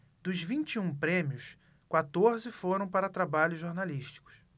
dos vinte e um prêmios quatorze foram para trabalhos jornalísticos